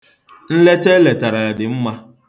Nleta e letara ya dị mma.